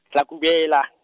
Hlakubela.